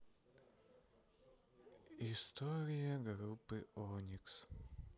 история группы оникс